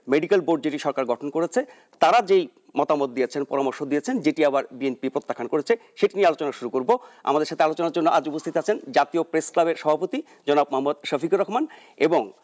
medical board যেটি সরকার গঠন করেছে তারা যে মতামত দিয়েছেন পরামর্শ দিয়েছেন যেটি আবার বিএনপি প্রত্যাখান করেছে সেটি নিয়ে আলোচনা শুরু করব আমাদের সাথে আলোচনার জন্য আজ উপস্থিত আছেন জাতীয় প্রেসক্লাবের সভাপতি জনাব মোঃ শফিকুর রহমান এবং